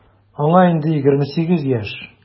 Аңа инде 28 яшь.